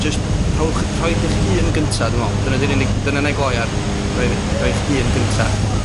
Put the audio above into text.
jyst rhowch, rhoid eich hun gynta dwi'n me'wl. Dyna 'di'r unig, dyna na'i gloi ar, i roi r-, i roi'ch hun gynta.